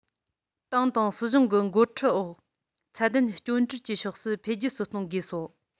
ཏང དང སྲིད གཞུང གི འགོ ཁྲིད འོག ཚད ལྡན སྐྱོན བྲལ གྱི ཕྱོགས སུ འཕེལ རྒྱས སུ གཏོང དགོས སོ